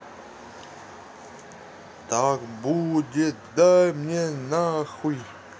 так будет дай мне нахуй